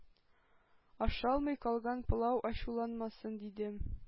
Ашалмый калган пылау ачуланмасын, дидем.